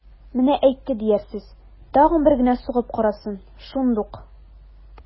Менә әйтте диярсез, тагын бер генә сугып карасын, шундук...